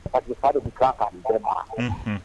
Pa fa' ka bɔ